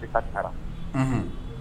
Denfa taara, unhun.